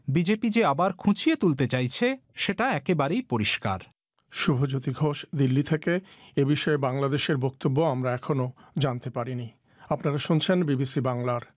BJP যে আবার খুচিয়ে তুলতে চাইছে সেটা একেবারেই পরিষ্কার শুভজ্যোতি ঘোষ দিল্লি থেকে এ বিষয়ে বাংলাদেশের বক্তব্য আমরা এখনো জানতে পারিনি আপনারা শুনছেন বিবিসি বাংলর